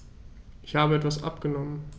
Ich habe etwas abgenommen.